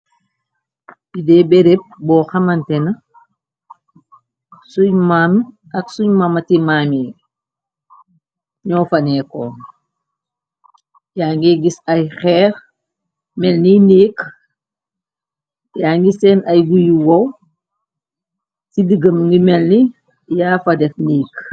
Bidee bereb boo xamante na ak suñ mamati maami ñoo faneeko yaa ngi gis ay xeex melni ndiik ya ngi seen ay gu yu wow ci diggam ngi melni yaafa def niik.